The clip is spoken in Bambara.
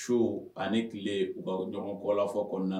Su ani tile u bɛ ɲɔngɔn kɔlafɔ.